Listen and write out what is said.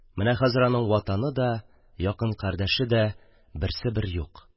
Менә хәзер аның ватаны да, якын кардәше дә – берсе-бер юк